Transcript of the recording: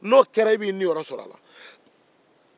n'o kɛra e b'i niyɔrɔ sɔrɔ a la